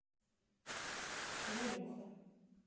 валюха